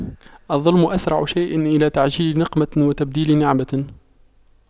الظلم أسرع شيء إلى تعجيل نقمة وتبديل نعمة